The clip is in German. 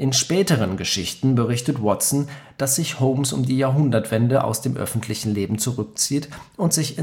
späteren Geschichten berichtet Watson, dass sich Holmes um die Jahrhundertwende aus dem öffentlichen Leben zurückzieht und sich